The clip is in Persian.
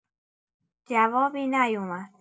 جوابی نیومد.